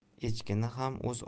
echkini ham o'z